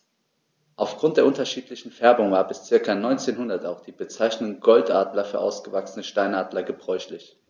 Auf Grund der unterschiedlichen Färbung war bis ca. 1900 auch die Bezeichnung Goldadler für ausgewachsene Steinadler gebräuchlich.